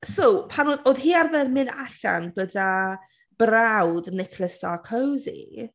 So, pan oedd... oedd hi arfer mynd allan gyda brawd Nicolas Sarkozy.